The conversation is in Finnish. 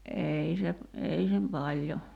ei se ei se paljon